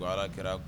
Ko ala kɛra